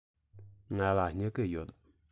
ང ལ སྨྱུ གུ ཡོད